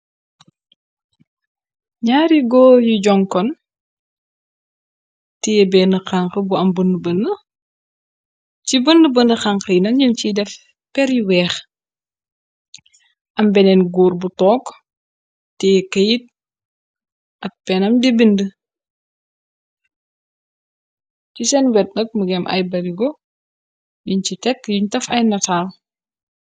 Ñaari goor yu jonkon tée benn xanx bu am bonu bonu ci bonu bobu xank yinak nun ci def peri yu weekh. Am beneen góor bu took tee këyit at penam di bindi. Ci sen wet nak mungi am ay barigo yuñ ci tekk, yuñ taf ay nataal.